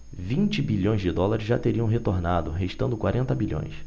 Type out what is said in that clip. vinte bilhões de dólares já teriam retornado restando quarenta bilhões